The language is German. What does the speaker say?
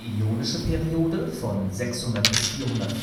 Ionische Periode (Ionische